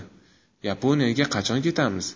yaponiyaga qachon ketamiz